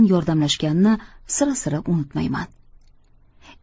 yordamlashganini sira sira unutmayman